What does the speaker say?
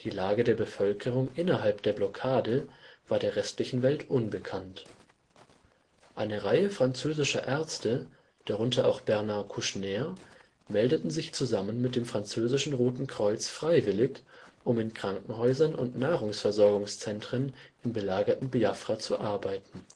Lage der Bevölkerung innerhalb der Blockade war der restlichen Welt unbekannt. Eine Reihe französischer Ärzte, darunter auch Bernard Kouchner, meldeten sich zusammen mit dem Französischen Roten Kreuz freiwillig, um in Krankenhäusern und Nahrungsversorgungszentren im belagerten Biafra zu arbeiten